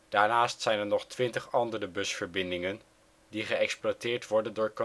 Daarnaast zijn er nog 20 andere busverbindingen die geëxploiteerd worden door Connexxion